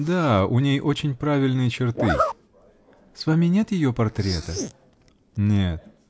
-- Да; у ней очень правильные черты. -- С вами нет ее портрета? -- Нет.